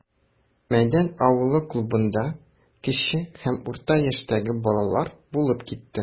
Мәйдан авылы клубында кече һәм урта яшьтәге балалар булып китте.